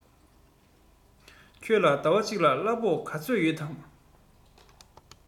ཁྱོད ལ ཟླ བ གཅིག ལ གླ ཕོགས ག ཚོད ཡོད དམ